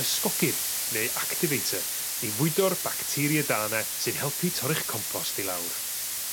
ysgogydd neu activator i fwydo'r bacteria da yne sy'n helpu torri'ch compost i lawr.